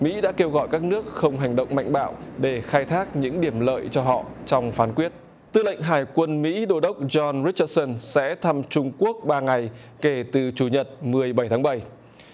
mỹ đã kêu gọi các nước không hành động mạnh bạo để khai thác những điểm lợi cho họ trong phán quyết tư lệnh hải quân mỹ đô đốc gion rích chát sừn sẽ thăm trung quốc ba ngày kể từ chủ nhật mười bảy tháng bảy